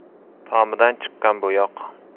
tomidan chiqqan bo'yoq